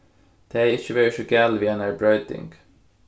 tað hevði ikki verið so galið við einari broyting